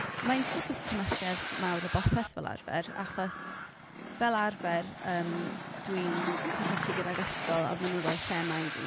Mae'n sort of cymysgedd mawr o bopeth fel arfer, achos fel arfer yym dwi'n cysylltu gyda'r ysgol a maen nhw'n rhoi thema i fi.